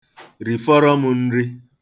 Rifọrọ m nri.